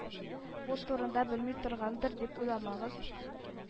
Бу турыда белми торгандыр, дип уйламагыз.